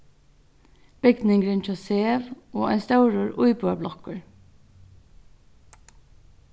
bygningurin hjá sev og ein stórur íbúðarblokkur